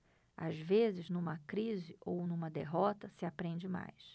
às vezes numa crise ou numa derrota se aprende mais